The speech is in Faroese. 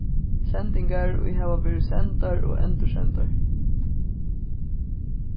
sendingar ið hava verið sendar og endursendar